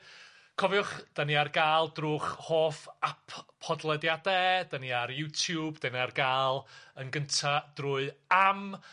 Cofiwch 'dan ni ar ga'l drw'ch hoff ap podlediade, 'dan ni ar YouTube, dan ni ar gael yn gynta drwy Am!